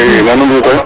i nam nu mbiyu koy